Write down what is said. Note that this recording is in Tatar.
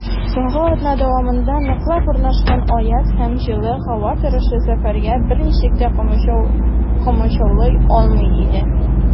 Соңгы атна дәвамында ныклап урнашкан аяз һәм җылы һава торышы сәфәргә берничек тә комачаулый алмый иде.